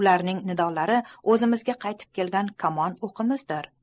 ularning nidolari o'zimizga qaytib kelgan kamon o'qimizdir